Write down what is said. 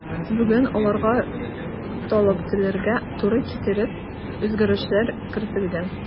Бүген аларга таләпләргә туры китереп үзгәрешләр кертелгән.